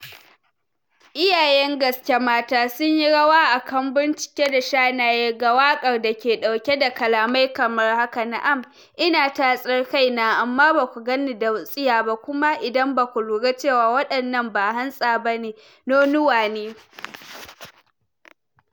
Iyayen gaske mata sunyi rawa a kambu-cike da shanaye ga wakar da ke dauke da kalamai kamar haka: "Na'am, ina tatsar kaina, amma baku ganni da wutsiya ba" kuma "Idan ba ku lura cewa wadannan ba hantsa bane, nonuwa na ne."